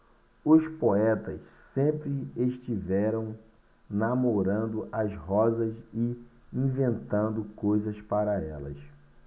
os poetas sempre estiveram namorando as rosas e inventando coisas para elas